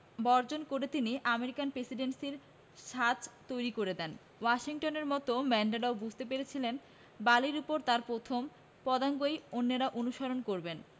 বর্জন করে তিনি আমেরিকান প্রেসিডেন্সির ছাঁচ তৈরি করে দেন ওয়াশিংটনের মতো ম্যান্ডেলাও বুঝতে পেরেছিলেন বালির ওপর তাঁর প্রথম পদাঙ্কই অন্যেরা অনুসরণ করবেন